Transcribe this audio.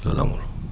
loolu amul